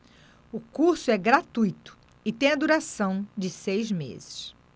o curso é gratuito e tem a duração de seis meses